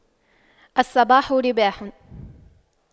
الصباح رباح